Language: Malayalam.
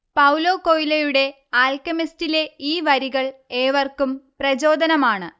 പൗലോ കൊയ്ലോയുടെ ആൽക്കെമിസ്റ്റിലെ ഈ വരികൾ ഏവർക്കും പ്രചോദനമാണ്